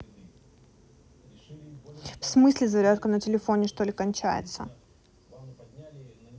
в смысле зарядка на телефоне что ли кончается